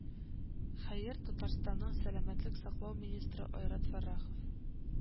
Хәер, Татарстанның сәламәтлек саклау министры Айрат Фәррахов